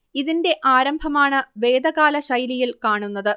ഇതിന്റെ ആരംഭമാണ് വേദകാല ശൈലിയിൽ കാണുന്നത്